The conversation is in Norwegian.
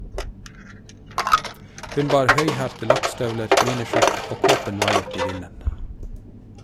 Hun bar høyhælte lakkstøvler, miniskjørt, og kåpen vaiet i vinden.